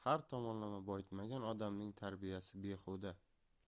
tomonlama boyitmagan odamning tarbiyasi behuda